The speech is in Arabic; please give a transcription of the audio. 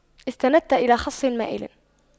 استندت إلى خصٍ مائلٍ